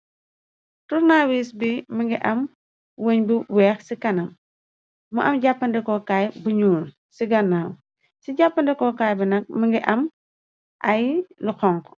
Tournawiis bi mëngi am wëñ bu weex ci kanam, mu am jàppandekokaay bu ñuul ci gannaaw, ci jàppandekokaay bi nak mënga am ay lu xonxu.